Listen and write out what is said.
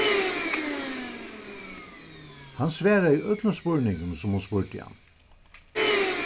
hann svaraði øllum spurningum sum hon spurdi hann